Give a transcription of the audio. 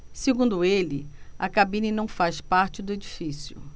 segundo ele a cabine não faz parte do edifício